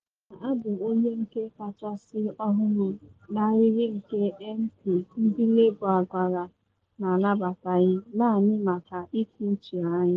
Elee anya, abụ onye nke kachasị ọhụrụ n’ahịrị nke MP ndị Labour agwara na anabataghị - naanị maka ikwu uche anyị.